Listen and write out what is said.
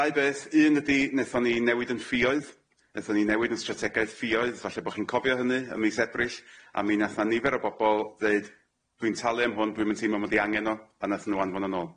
Dau beth un ydi nethon ni newid yn ffïoedd. Nethon ni newid yn strategaeth ffïoedd falle bo' chi'n cofio hynny ym mis Ebrill a mi nath na nifer o bobol ddeud dwi'n talu am hwn dwi'm yn teimlo mod i angen o pan nathon nw anfon yn ôl.